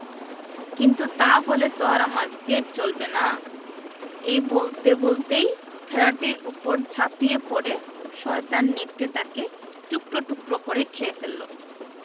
কিন্তু তা বলে তো আর আমার পেট চলবে না এই বলতে বলতেই ভেড়াটির উপর ঝাঁপিয়ে পড়ে শয়তান নেকড়ে তাকে টুকরো টুকরো করে খেয়ে ফেলল